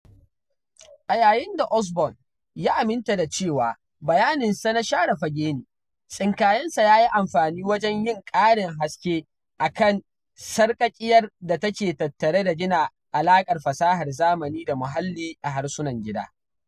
A yayin da Osborn ya aminta da cewa, bayaninsa na share fage ne, tsinkayensa ya yi amfani wajen yin ƙarin haske a kan sarƙaƙiyar da take tattare da gina alaƙar fasahar zamani da muhalli a harsunan gida.